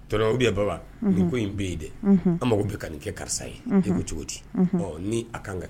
Dɔnw bɛ baba n'i ko in bɛ yen dɛ an mako bɛ ka nin kɛ karisa ye n ko cogo di bɔn ni ka kan ka kɛ